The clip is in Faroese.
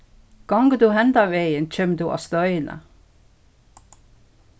gongur tú hendan vegin kemur tú á støðina